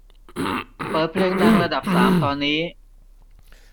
เปิดเพลงดังระดับสามตอนนี้